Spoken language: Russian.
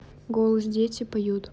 голос дети поют